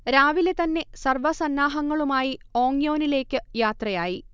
രാവിലെ തന്നെ സർവ സന്നാഹങ്ങളുമായി ഓങ്യോനിലേക്ക് യാത്രയായി